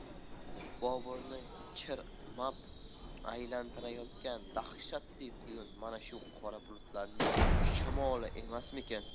boburni chir mab aylantirayotgan dahshatli quyun mana shu qora bulutlarning shamoli emasmikan